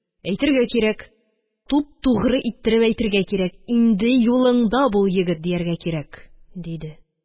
Әйтергә кирәк, туп-тугры иттереп әйтергә кирәк, инде юлыңда бул, егет, дияргә кирәк, – диде